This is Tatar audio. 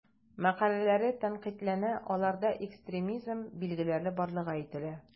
Мәкаләләре тәнкыйтьләнә, аларда экстремизм билгеләре барлыгы әйтелә.